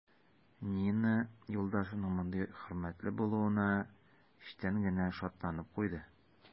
Нина юлдашының мондый хөрмәтле булуына эчтән генә шатланып куйды.